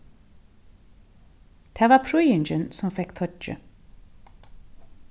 tað var prýðingin sum fekk toyggið